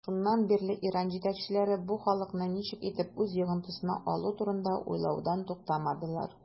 Шуннан бирле Иран җитәкчеләре бу халыкны ничек итеп үз йогынтысына алу турында уйлаудан туктамадылар.